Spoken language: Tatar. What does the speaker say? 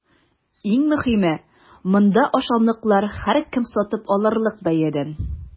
Иң мөһиме – монда ашамлыклар һәркем сатып алырлык бәядән!